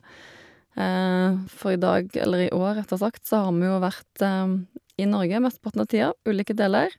For i dag eller i år, rettere sagt, så har vi jo vært i Norge mesteparten av tida, ulike deler.